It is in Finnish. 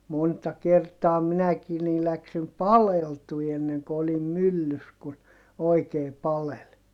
monta kertaa minäkin niin lähdin paleltumaan ennen kuin olin myllyssä kun oikein paleli